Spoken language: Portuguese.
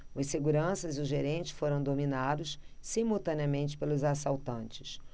os seguranças e o gerente foram dominados simultaneamente pelos assaltantes